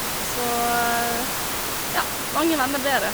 Så, ja, mange venner ble det.